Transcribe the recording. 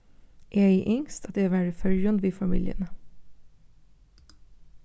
eg hevði ynskt at eg var í føroyum við familjuni